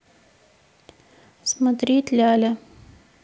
смотреть ляля